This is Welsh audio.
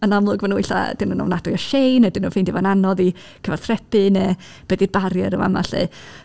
Yn am- amlwg ma' nhw ella... ydyn nhw yn ofnadwy o shy neu ydyn nhw'n ffeindio fo'n anodd i cyfathrebu neu be 'di'r barrier yn fama 'lly?